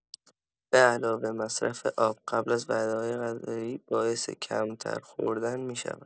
به‌علاوه مصرف آب قبل از وعده‌های غذایی باعث کم‌تر خوردن می‌شود.